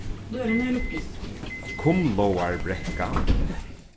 kumláarbrekka